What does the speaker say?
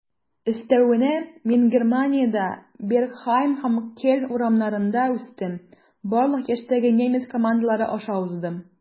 Өстәвенә, мин Германиядә, Бергхайм һәм Кельн урамнарында үстем, барлык яшьтәге немец командалары аша уздым.